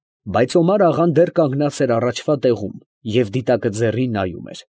Բայց Օմար֊աղան դեռ կանգնած էր առաջվա տեղում և դիտակը ձեռին նայում էր։